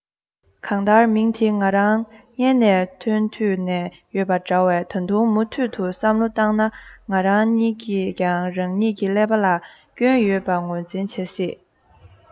གང ལྟར མིང འདི ང རང མངལ ནས ཐོན དུས ནས ཡོད པ འདྲ བས ད དུང མུ མཐུད དུ བསམ བློ བཏང ན ང རང ཉིད ཀྱིས ཀྱང རང ཉིད ཀྱི ཀླད པ ལ སྐྱོན ཡོད པ ངོས འཛིན བྱ སྲིད